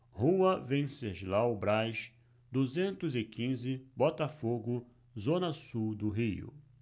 rua venceslau braz duzentos e quinze botafogo zona sul do rio